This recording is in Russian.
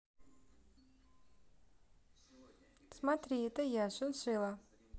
смотри это я шиншила